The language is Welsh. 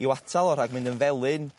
i'w atal o rhag mynd yn felyn